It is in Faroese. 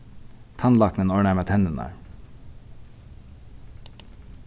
tannlæknin orðnaði mær tenninar